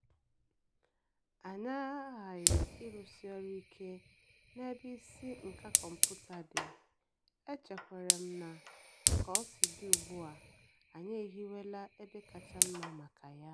Anyị aghaghị ịrụsi ọrụ ike n'ebe isi nka kọmputa dị, e chekwara m na ka o si dị ugbu a, anyị ehiwela ebe kacha mma maka ya.